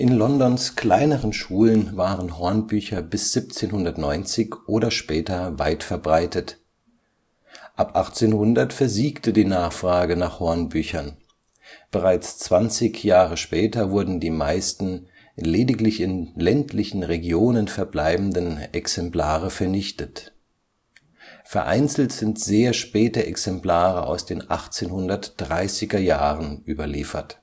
Londons kleineren Schulen waren Hornbücher bis 1790 oder später weitverbreitet. Ab 1800 versiegte die Nachfrage nach Hornbüchern; bereits zwanzig Jahre später wurden die meisten, lediglich in ländlichen Regionen verbleibenden, Exemplare vernichtet. Vereinzelt sind sehr späte Exemplare aus den 1830er Jahren überliefert